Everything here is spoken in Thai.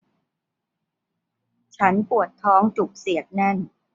ฉันปวดท้องจุกเสียดแน่น